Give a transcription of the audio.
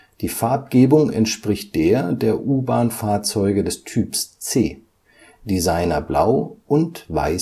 Die Farbgebung entspricht der der U-Bahn-Fahrzeuge des Typs C, Designer-Blau und Weiß-Aluminium